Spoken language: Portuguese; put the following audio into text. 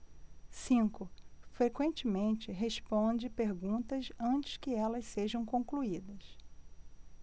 cinco frequentemente responde perguntas antes que elas sejam concluídas